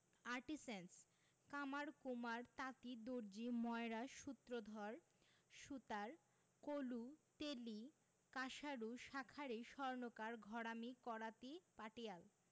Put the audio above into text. artisans কামার কুমার তাঁতি দর্জি ময়রা সূত্রধর সুতার কলু তেলী কাঁসারু শাঁখারি স্বর্ণকার ঘরামি করাতি পাটিয়াল